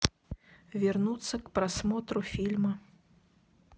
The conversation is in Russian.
вернуться к просмотру фильма